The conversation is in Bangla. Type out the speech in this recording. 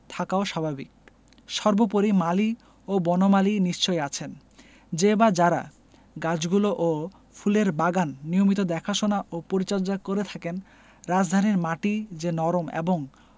থাকাও স্বাভাবিক সর্বোপরি মালি ও বনমালী নিশ্চয়ই আছেন যে বা যারা গাছগুলো ও ফুলের বাগান নিয়মিত দেখাশোনা ও পরিচর্যা করে থাকেন রাজধানীর মাটি যে নরম এবং